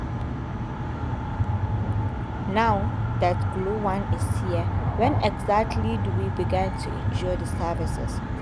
Now that Glo-1 is here, when exactly do we begin to enjoy the services?